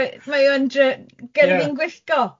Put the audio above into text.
Ma- mae o'n j- g-... Yeah... gen fi'n gwyllgo